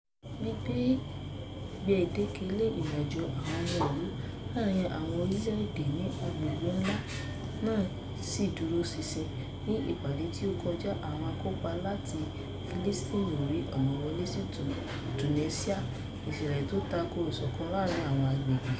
Gbígbé gbèdéke lé ìrìnàjó àwọn ọmọ ilú láàárin àwọn orílè èdè ní agbègbè náà ṣì dúró ṣinṣin (ní ìpàdé tó kọjá, àwọn akópa láti Palestine ò rí ọ̀nà wọlé sí Tunisia) ìṣẹ̀lẹ̀ tó tako ìsọ̀kan láàárìn àwọn agbègbè.